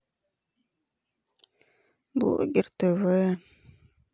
блогер тв